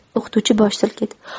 o'qituvchi bosh silkidi